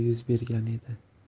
yuz bergan edi